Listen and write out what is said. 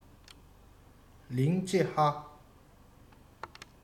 ལིང ཅི ཧྭ